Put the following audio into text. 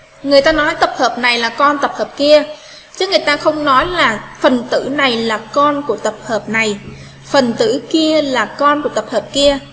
người ta nói tập hợp này là con tập hợp kia người ta không nói là phần tử này là con của tập hợp này phần tử kia là con của tập hợp kia